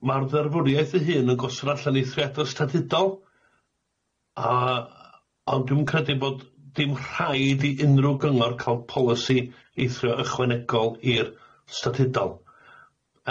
ma'r dderfwriaeth 'i hun yn gosod allan eithriada statudol a ond dwi'm yn credu bod dim rhaid i unrhyw gyngor ca'l polisi eithrio ychwanegol i'r statudol.